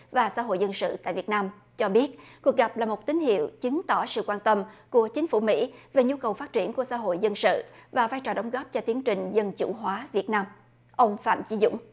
và xã hội dân sự tại việt nam cho biết cuộc gặp là một tín hiệu chứng tỏ sự quan tâm của chính phủ mỹ về nhu cầu phát triển của xã hội dân sự và vai trò đóng góp cho tiến trình dân chủ hóa việt nam ông phạm chí dũng